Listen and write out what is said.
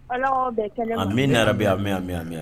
Ala k'aw bɛn kelen ma. Amina ya Rabi, ami ami